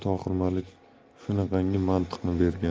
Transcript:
malik shunaqangi mantiqni bergan